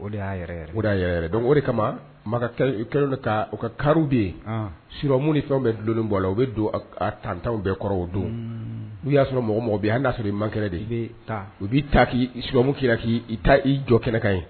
O de y'a oa yɛrɛ dɔn o de kama ma kɛlen ka o ka ka bɛ yen surm ni fɛn bɛ don bɔ la o bɛ don tantanw bɛɛ kɔrɔ o don n'u y'a sɔrɔ mɔgɔ mɔgɔ''a sɔrɔ i mankɛ de u b'i ta sumu ki k' i ta i jɔ kɛnɛ ka ye